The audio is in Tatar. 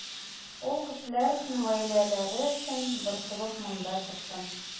Ул кешеләр өчен, гаиләләре өчен борчылып монда чыктым.